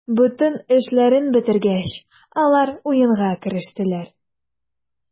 Бөтен эшләрен бетергәч, алар уенга керештеләр.